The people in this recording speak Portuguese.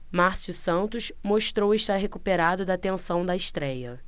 márcio santos mostrou estar recuperado da tensão da estréia